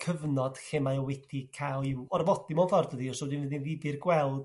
cyfnod lle mae o wedi ca'l i'w orfodi mewn fordd dydi a so mi fydd 'i'n ddifir gweld